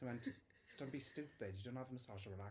They went; "don't be stupid, you don't have a massage to relax."